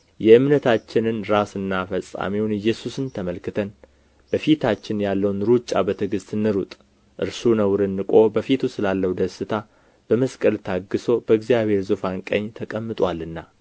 የእምነታችንንም ራስና ፈጻሚውን ኢየሱስን ተመልክተን በፊታችን ያለውን ሩጫ በትዕግሥት እንሩጥ እርሱ ነውርን ንቆ በፊቱም ስላለው ደስታ በመስቀል ታግሦ በእግዚአብሔር ዙፋን ቀኝ ተቀምጦአልና